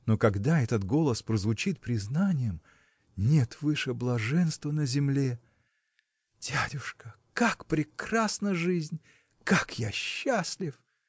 Но когда этот голос прозвучит признанием. нет выше блаженства на земле! Дядюшка! как прекрасна жизнь! как я счастлив!